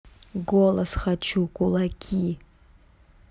голос хочу кулаки